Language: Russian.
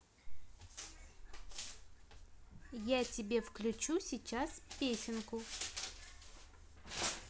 я тебе включу сейчас песенку